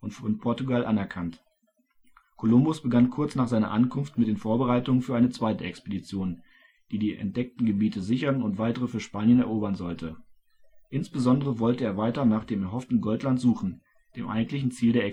von Portugal anerkannt). Kolumbus begann kurz nach seiner Ankunft mit den Vorbereitungen für eine zweite Expedition, die die entdeckten Gebiete sichern und weitere für Spanien erobern sollte. Insbesondere wollte er weiter nach dem erhofften Goldland suchen, dem eigentlichen Ziel der Expedition